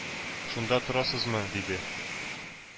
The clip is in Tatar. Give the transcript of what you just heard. -шунда торасызмы? - диде.